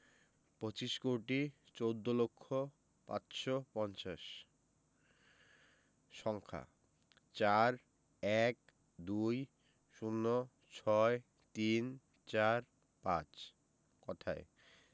পঁচিশ কোটি চৌদ্দ লক্ষ পাঁচশো পঞ্চাশ সংখ্যা ৪ ১২ ০৬ ৩৪৫ কথায়